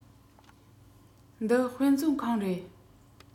འདི དཔེ མཛོད ཁང རེད